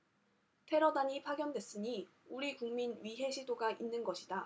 테러단이 파견됐으니 우리국민 위해 시도가 있는 것이다